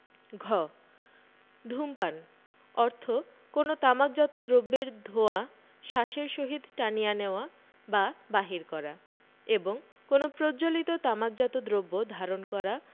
ঘ ধূমপান অর্থ কোন তামাকজাত দ্রব্যের ধোঁয়া শ্বাসের সহিত টানিয়া নেওয়া বা বাহির করা এবং কোন প্রজ্বলিত তামাকজাত দ্রব্য ধারণ করা